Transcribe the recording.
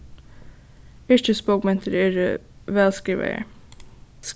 yrkisbókmentir eru væl skrivaðar